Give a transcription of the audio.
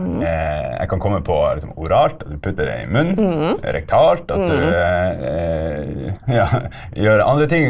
jeg kan komme på liksom oralt at du putter det i munnen, rektalt at du ja gjør andre ting.